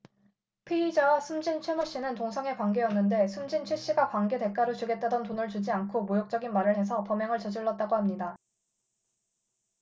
피의자와 숨진 최 모씨는 동성애 관계였는데 숨진 최씨가 관계 대가로 주겠다던 돈을 주지 않고 모욕적인 말을 해서 범행을 저질렀다고 합니다